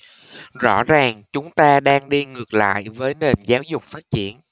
rõ ràng chúng ta đang đi ngược lại với nền giáo dục phát triển